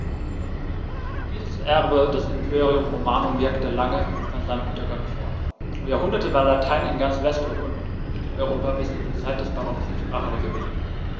Dieses Erbe des Imperium Romanum wirkte lange nach seinem Untergang fort: Über Jahrhunderte war Latein in ganz West- und Mitteleuropa bis in die Zeit des Barock die Sprache der Gebildeten.